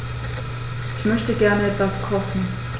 Ich möchte gerne etwas kochen.